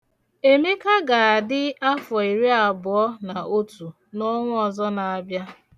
Emeka ga-adị afọ iriabụọ na otu n'ọnwa ọzọ na-abịa.